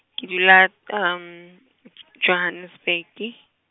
ke dula , J- Johannesburg e.